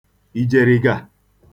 ìjèrìgà